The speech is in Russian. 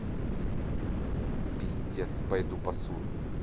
пиздец пойду посуду